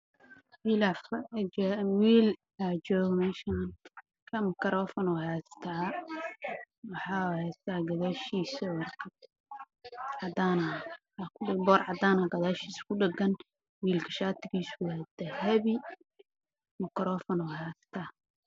Wiil ma kafoofan heysto ayaa ka muuqdo meesha